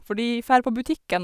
For de fær på butikken.